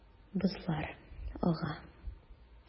Бозлар ага.